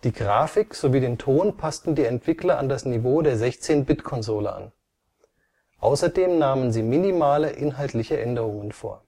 Grafik sowie den Ton passten die Entwickler an das Niveau der 16-Bit-Konsole an. Außerdem nahmen sie minimale inhaltliche Änderungen vor